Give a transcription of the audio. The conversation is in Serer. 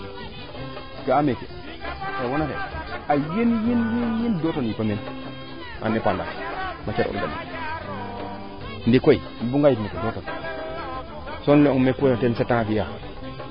ga'a meeke a yeŋ yeŋ yeŋ deux ke yipe meen en epandage matiere organique ndiiki koy o buga nga yip matiere organique soy im ley nge oxu refna teen sept a fiya